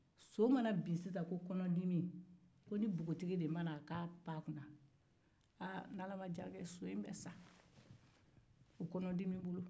so mana bin sisan kɔnɔdimi fɛ ko ni npogotigi ko fo npogotigi ka n'a pan a kunna ni ala ma jan kɛ so in be sa